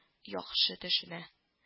Яхшы төшенә